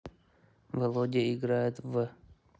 володя играет в